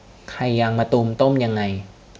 ไข่ยางมะตูมต้มยังไง